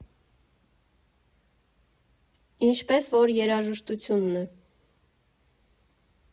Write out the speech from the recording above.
Ինչպես որ երաժշտությունն է.